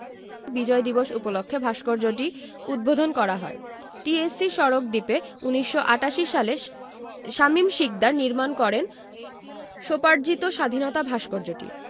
বিজয় দিবস উপলক্ষে ভাস্কর্যটি উদ্বোধন করা হয় টিএসসি সড়ক দ্বীপে ১৯৮৮ সালে শামীম শিকদার নির্মাণ করেন স্বোপার্জিত স্বাধীনতা ভাস্কর্যটি